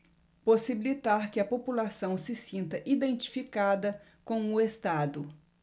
possibilitar que a população se sinta identificada com o estado